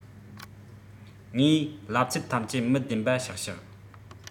ངས ལབ ཚད ཐམས ཅད མི བདེན པ ཤག ཤག